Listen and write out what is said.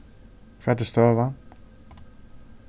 hvat er støðan